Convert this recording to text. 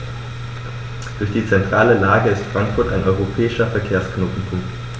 Durch die zentrale Lage ist Frankfurt ein europäischer Verkehrsknotenpunkt.